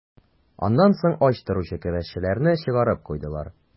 Аннан соң ач торучы көрәшчеләрне чыгарып куйдылар.